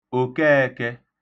Okẹẹ̄kẹ̄